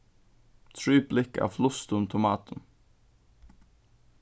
trý blikk av flustum tomatum